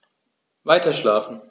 Weiterschlafen.